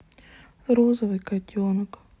розовый котенок